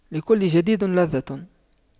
لكل جديد لذة